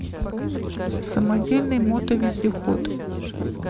самодельный мотовездеход